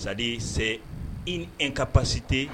Sa se i ni n ka pasite